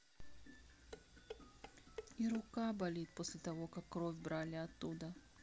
и рука болит после того как кровь брали оттуда